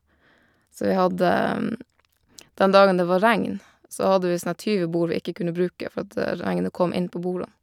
så vi hadde Dem dagene det var regn, så hadde vi sånn der tyve bord vi ikke kunne bruke, for at regnet kom inn på bordene.